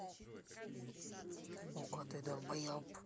okko ты долбоеб